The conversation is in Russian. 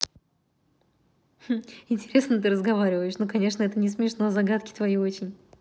интересно ты разговариваешь ну конечно это не смешно загадки твои очень